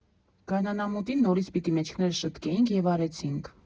Գարնանամուտին նորից պիտի մեջքներս շտկեինք, և արեցի՛նք.